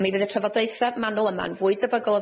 A mi fydd y trafodaethe manwl yma'n fwy debygol o